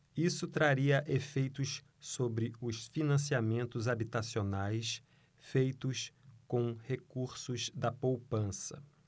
isso traria efeitos sobre os financiamentos habitacionais feitos com recursos da poupança